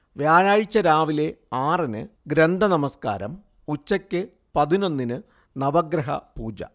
വ്യാഴാഴ്ച രാവിലെ ആറിന് ഗ്രന്ഥ നമസ്കാരം, ഉച്ചയ്ക്ക് പതിനൊന്നിന് നവഗ്രഹപൂജ